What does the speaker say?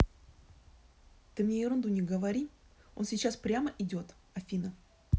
ты мне ерунду не говори он сейчас прямо идет афина